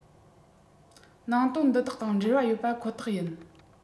ནང དོན འདི དག དང འབྲེལ བ ཡོད པ ཁོ ཐག ཡིན